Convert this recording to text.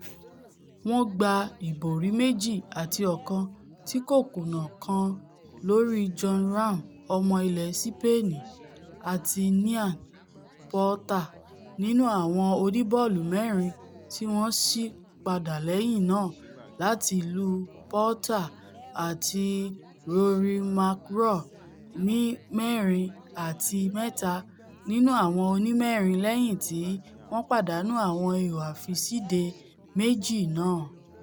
Wọ́n gba ìborí 2 àti 1 tíkòkúnná kan lóri Jon Rahm ọmọ ilẹ̀ Sipeeni àtinIan Poulter nínú àwọn oníbọ́ọ̀lù-mẹ́rin tíwọ́n sì padà lẹ́yìn nàà láti lu Poulter àti RoryMcllroy ní 4 àti 3 nínú àwọn onímẹ́rin lẹ́yìn tí wọ́n pàdánù àwọn ihò àfisíde méjì náà.